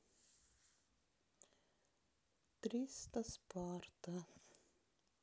триста спарта